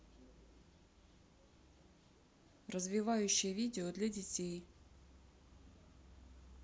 развивающее видео для детей